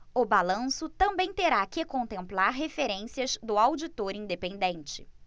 o balanço também terá que contemplar referências do auditor independente